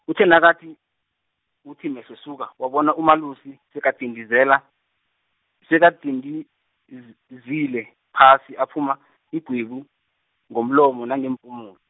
uthe nakathi, uthi mehlo suka wabona uMalusi sekadingizela, sekadingiz- -zile phasi aphuma igwebu, ngomlomo nangeempumulo.